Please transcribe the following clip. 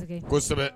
Kosɛbɛ